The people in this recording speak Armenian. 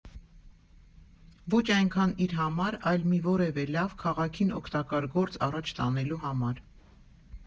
Ոչ այնքան իր համար, այլ մի որևէ լավ, քաղաքին օգտակար գործ առաջ տանելու համար։